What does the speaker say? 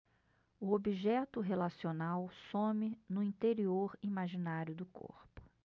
o objeto relacional some no interior imaginário do corpo